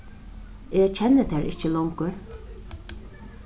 eg kenni tær ikki longur